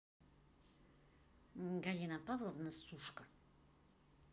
галина павловна сушка